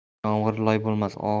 yoz yomg'iri loy bo'lmas